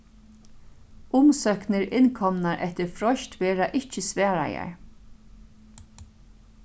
umsóknir innkomnar eftir freist verða ikki svaraðar